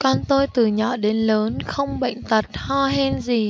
con tôi từ nhỏ đến lớn không bệnh tật ho hen gì